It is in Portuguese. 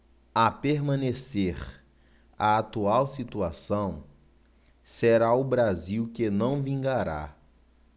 a permanecer a atual situação será o brasil que não vingará